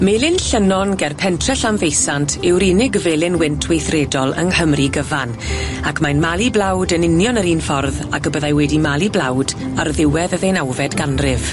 Melin Llynnon ger pentre Llanfeusant yw'r unig felin wynt weithredol yng Nghymru gyfan ac mae'n malu blawd yn union yr un ffordd ac y byddai wedi malu blawd ar ddiwedd y ddeunawfed ganrif.